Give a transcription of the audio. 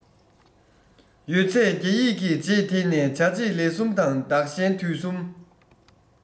ཡོད ཚད རྒྱ ཡིག གི རྗེས དེད ནས བྱ བྱེད ལས གསུམ དང བདག གཞན དུས གསུམ